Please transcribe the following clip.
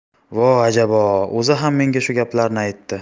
vo ajabo o'zi ham menga shu gaplarni aytdi